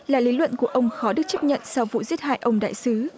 là lý luận của ông khó được chấp nhận sau vụ giết hại ông đại sứ